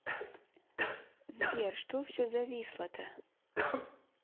сбер что все зависло то